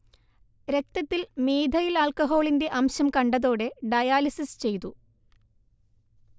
രക്തത്തിൽ മീഥൈൽ ആൽക്കഹോളിന്റെ അംശം കണ്ടതോടെ ഡയാലിസിസ് ചെയ്തു